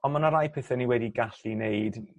on' ma' 'na rai pethe ni wedi gallu neud